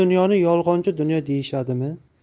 dunyoni yolg'onchi dunyo deyishadimi